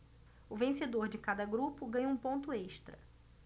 o vencedor de cada grupo ganha um ponto extra